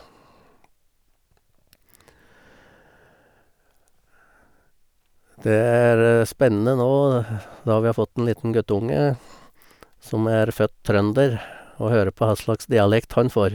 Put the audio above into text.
Det er spennende nå når vi har fått en liten guttunge som er født trønder, å høre på hva slags dialekt han får.